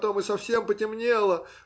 потом и совсем потемнело